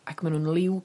Ac ma' nw'n liw